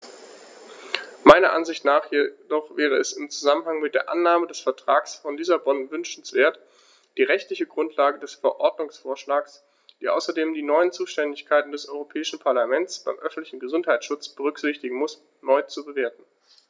Meiner Ansicht nach jedoch wäre es im Zusammenhang mit der Annahme des Vertrags von Lissabon wünschenswert, die rechtliche Grundlage des Verordnungsvorschlags, die außerdem die neuen Zuständigkeiten des Europäischen Parlaments beim öffentlichen Gesundheitsschutz berücksichtigen muss, neu zu bewerten.